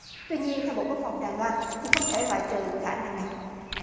tuy nhiên theo bộ quốc phòng đài loan thì không thể loại trừ khả năng này